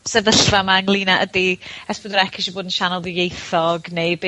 sefyllfa 'ma ynglŷn â ydi Es Pedwar Ec isie bod yn sianel ddwyieithog neu be'